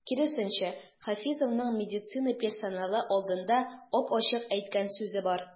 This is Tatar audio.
Киресенчә, Хафизовның медицина персоналы алдында ап-ачык әйткән сүзе бар.